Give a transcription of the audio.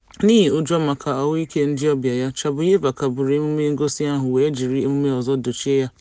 N'ihi ụjọ maka ahụike ndịọbịa ya, Shabuyeva kagburu emume ngosi ahụ wee jiri emume ọzọ dochie ya.